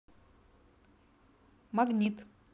магнит